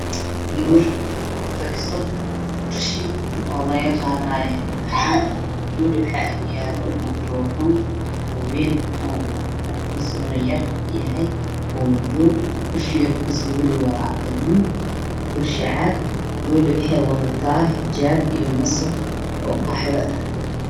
Waa gabar kufadhiso kursi oo intixaan laga qaadayo waxaa agyaalo makaroofan wayn oo afkiisa hore yar yahay oo madow, kursiga ay kufadhiso waa buluug oo caag ah waxay wadataa xijaab iyo masar oo qaxwi ah.